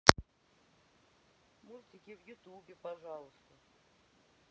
мультики в ютубе пожалуйста